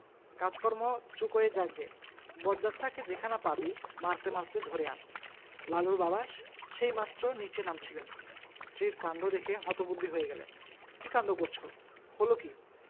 কাজকর্ম চুকোয় যাক গে বজ্জাতটাকে যেখানে পাবি মারতে মারতে ধরে আন্ লালুর বাবা সেইমাত্র নীচে নামছিলেন স্ত্রীর কাণ্ড দেখে হতবুদ্ধি হয়ে গেলেন কি কাণ্ড করচ হলো কি